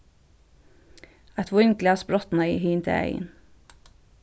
eitt vínglas brotnaði hin dagin